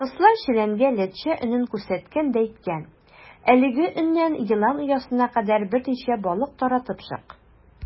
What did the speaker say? Кысла челәнгә ләтчә өнен күрсәткән дә әйткән: "Әлеге өннән елан оясына кадәр берничә балык таратып чык".